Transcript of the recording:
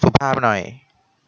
สุภาพหน่อย